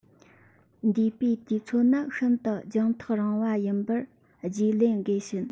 འདས པའི དུས ཚོད ནི ཤིན ཏུ རྒྱང ཐག རིང བ ཡིན པར རྒྱུས ལེན དགོས ཕྱིན